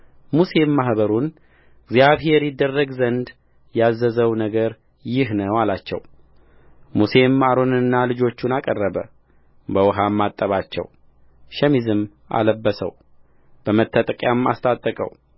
ሙሴም ማኅበሩን እግዚአብሔር ይደረግ ዘንድ ያዘዘው ነገር ይህ ነው አላቸውሙሴም አሮንንና ልጆቹን አቀረበ በውኃም አጠባቸውሸሚዝም አለበሰው በመታጠቂያም አስታጠቀው